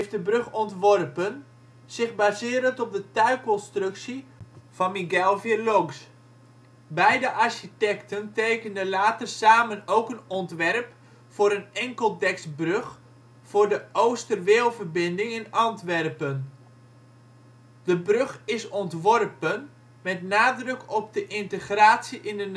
de brug ontworpen, zich baserend op de tuiconstructie van Michel Virloguex. Beide architecten tekenden later samen ook een ontwerp voor een enkeldeksbrug voor de Oosterweelverbinding in Antwerpen. De brug is ontworpen met nadruk op de integratie in de